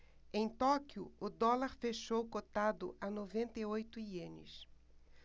em tóquio o dólar fechou cotado a noventa e oito ienes